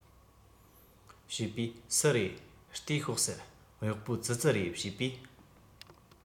བྱས པས སུ རེད ལྟོས ཤོག ཟེར གཡོག པོ ཙི ཙི རེད བྱས པས